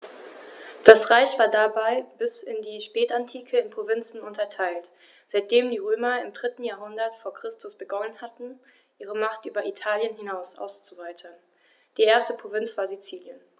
Das Reich war dabei bis in die Spätantike in Provinzen unterteilt, seitdem die Römer im 3. Jahrhundert vor Christus begonnen hatten, ihre Macht über Italien hinaus auszuweiten (die erste Provinz war Sizilien).